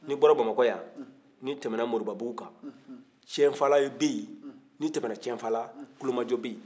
n'i bɔra bamakɔ yan n'i temɛna moribabugu kan ciɲɛnfala bɛ yen n'i tɛmɛna ciɲɛnfala tulomajɔ bɛ yen